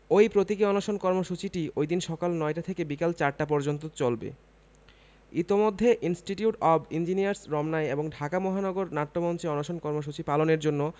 ওই প্রতীকী অনশন কর্মসূচিটি ওইদিন সকাল ৯টা থেকে বিকেল ৪টা পর্যন্ত চলবে ইতোমধ্যে ইন্সটিটিউট অব ইঞ্জিনিয়ার্স রমনায় এবং ঢাকা মহানগর নাট্যমঞ্চে অনশন কর্মসূচি পালনের জন্য